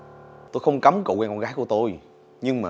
tôi không cấm cậu quen con gái của tôi nhưng mà